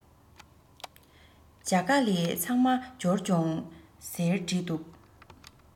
ཇ ག ལི ཚང མ འབྱོར བྱུང ཟེར བྲིས འདུག